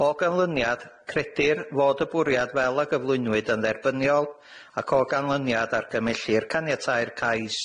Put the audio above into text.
O ganlyniad, credir fod y bwriad fel a gyflwynwyd yn dderbyniol, ac o ganlyniad argymellir caniatáu'r cais